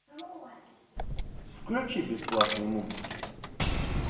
включи бесплатные мультики